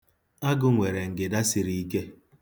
Agụ nwere ngịda siri ike.